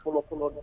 Fɔlɔ fɔlɔ dɛ.